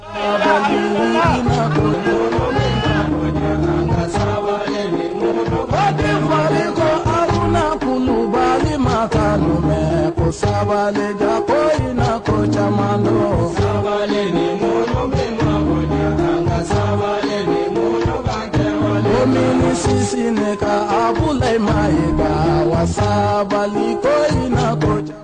Saba saba bakumakɔrɔ a kun kun ba ma kun bɛ saba ka bo in caman sabago ka saba kunkɛ min sisin ka a kun ma in ba saba ko in nago ja